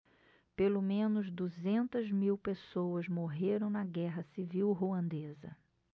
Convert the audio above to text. pelo menos duzentas mil pessoas morreram na guerra civil ruandesa